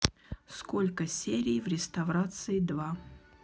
сколько серий в реставрации два